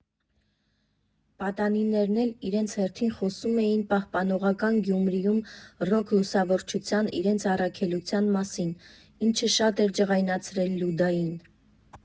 Պատանիներն էլ իրենց հերթին խոսում էին պահպանողական Գյումրիում ռոք֊լուսավորչության իրենց առաքելության մասին, ինչը շատ էր ջղայնացրել Լյուդային։